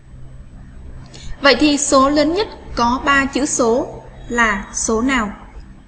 vậy thì số lớn nhất có ba chữ số là số nào